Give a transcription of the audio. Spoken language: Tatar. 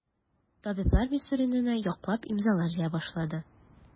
Табиблар Мисюринаны яклап имзалар җыя башлады.